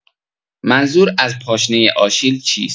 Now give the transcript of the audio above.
منظور از «پاشنه آشیل» چیست؟